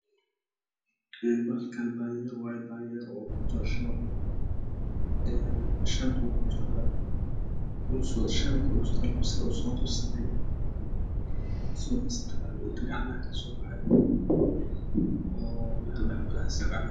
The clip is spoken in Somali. Meshan waxaa jooga danyeer shabaq ku jira gacmaha ayuu kala soo baxay